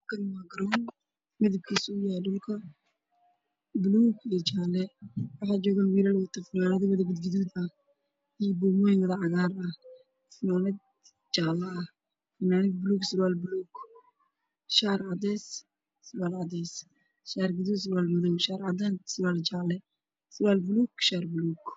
Kani waa garoon midabkiisu uu yahay rooga gaduud iyo jaale ah, waxaa joogo wiilal wato fanaanado cagaar ah, fanaanad jaale ah, fanaanad buluug ah iyo surwaal buluug ah, shaar cadeys iyo surwaal cadeys, shaar gaduud iyo surwaal madow ah, shaar cadaan ah iyo surwaal jaale.